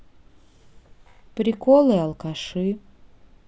приколы алкаши